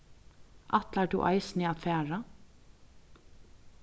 ætlar tú eisini at fara